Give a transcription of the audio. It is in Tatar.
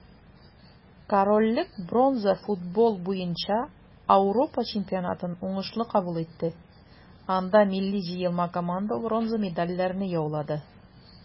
Корольлек бронза футбол буенча Ауропа чемпионатын уңышлы кабул итте, анда милли җыелма команда бронза медальләрне яулады.